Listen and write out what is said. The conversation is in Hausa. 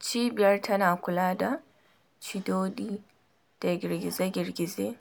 Cibiyar tana kula da cidodi da girgize-girgizen